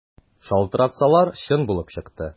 Шалтыратсалар, чын булып чыкты.